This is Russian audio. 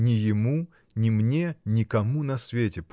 — Ни ему, ни мне, никому на свете.